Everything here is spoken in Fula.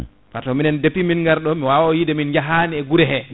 par ce mine depuis min gari ɗo mi wawa wide min jaahani e guure he